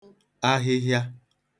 ahịhịa